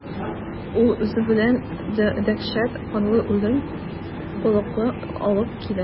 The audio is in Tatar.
Ул үзе белән дәһшәт, канлы үлем, коллык алып килә.